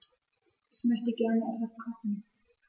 Ich möchte gerne etwas kochen.